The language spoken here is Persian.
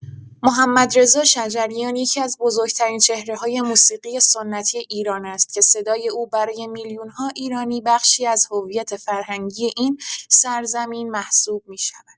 محمدرضا شجریان یکی‌از بزرگ‌ترین چهره‌های موسیقی سنتی ایران است که صدای او برای میلیون‌ها ایرانی بخشی از هویت فرهنگی این سرزمین محسوب می‌شود.